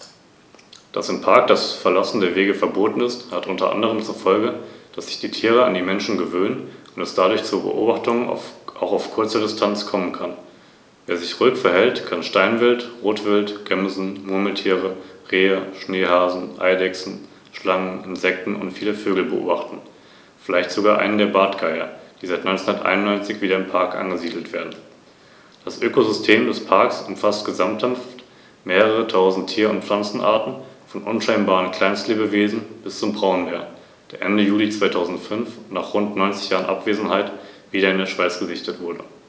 Das eigentliche Rückgrat der Verwaltung bildeten allerdings die Städte des Imperiums, die als halbautonome Bürgergemeinden organisiert waren und insbesondere für die Steuererhebung zuständig waren.